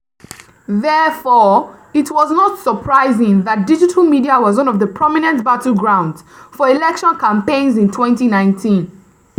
Therefore, it was not surprising that digital media was one of the prominent battlegrounds for election campaigns in 2019.